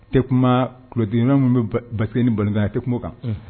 O kuma kulɔidonna minnu bɛ basket ni balon a tɛ kuma o kan.unhun.